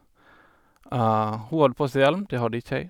Og hun hadde på seg hjelm, det hadde ikke jeg.